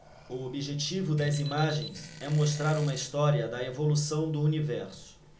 o objetivo das imagens é mostrar uma história da evolução do universo